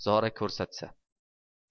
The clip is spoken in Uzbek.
zora ko'rsatsa